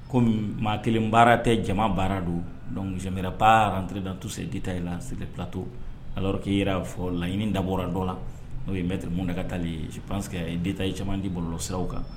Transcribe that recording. Ko maa kelen baara tɛ jama baara don zb baararantre dan tuta lasito a'i jira fɔ laɲiniini dabɔ dɔ la n'o ye bɛtɛ min de ka taa yeseta ye caman di bololɔ siraw kan